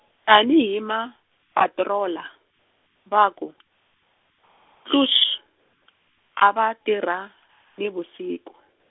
tani hi ma patroller, va ku , klux , a va tirha, ni vusiku.